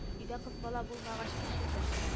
Өйдә кыз бала булмагач нишлисең